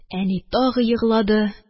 Әни тагы еглады.